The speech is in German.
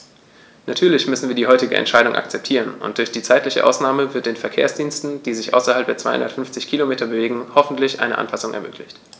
Natürlich müssen wir die heutige Entscheidung akzeptieren, und durch die zeitliche Ausnahme wird den Verkehrsdiensten, die sich außerhalb der 250 Kilometer bewegen, hoffentlich eine Anpassung ermöglicht.